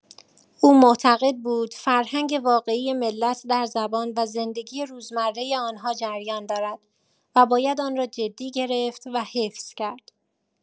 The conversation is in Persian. او معتقد بود فرهنگ واقعی ملت در زبان و زندگی روزمره آنها جریان دارد و باید آن را جدی گرفت و حفظ کرد.